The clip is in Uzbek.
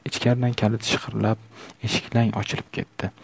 ichkaridan kalit shiqirlab eshik lang ochilib ketdi